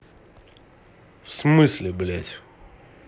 всмысле блять